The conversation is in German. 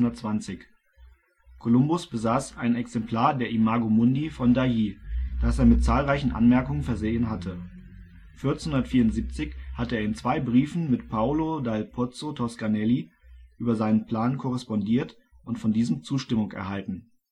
1350-1420). Kolumbus besaß ein Exemplar der Imago Mundi von d'Ailly, das er mit zahlreichen Anmerkungen versehen hatte. 1474 hatte er in zwei Briefen mit Paolo dal Pozzo Toscanelli über seinen Plan korrespondiert und von diesem Zustimmung erhalten